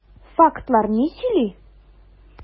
Фактлар ни сөйли?